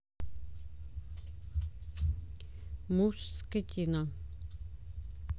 муж скотина